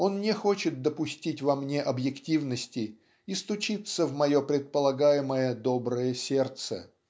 Он не хочет допустить во мне объективности и стучится в мое предполагаемое доброе сердце.